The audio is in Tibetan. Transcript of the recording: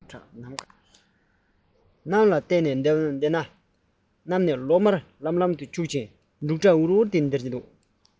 ནམ མཁའ ནས གློག དམར ལམ ལམ དུ འཁྱུག འབྲུག སྒྲ ལྡིར ལྡིར དུ གྲགས ནམ མཁར ཅེར ཏེ བསྡད པ ན